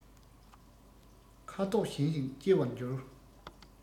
ཁ དོག གཞན ཞིག སྐྱེ བར འགྱུར